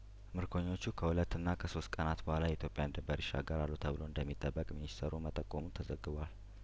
ምርኮኞቹ ከሁለትና ከሶስት ቀናት በኋላ የኢትዮጵያን ድንበር ይሻገራሉ ተብሎ እንደሚጠበቅ ሚኒስተሩ መጠቆሙ ተዘግቧል